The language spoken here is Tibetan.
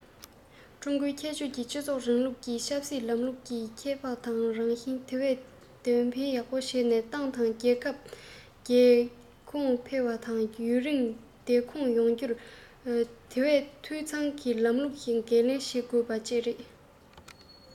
ཀྲུང གོའི ཁྱད ཆོས ཀྱི སྤྱི ཚོགས རིང ལུགས ཀྱི ཆབ སྲིད ལམ ལུགས ཀྱི ཁྱད འཕགས རང བཞིན དེ བས འདོན སྤེལ ཡག པོ བྱས ནས ཏང དང རྒྱལ ཁབ དར རྒྱས གོང འཕེལ དང ཡུན རིང བདེ འཁོད ཡོང རྒྱུར དེ བས འཐུས ཚང གི ལམ ལུགས ཀྱི འགན ལེན བྱེད དགོས པ བཅས རེད